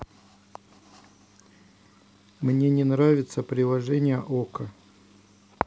мне не нравится приложение окко